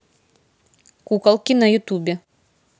куколки на ютубе